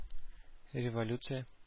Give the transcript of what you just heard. Революция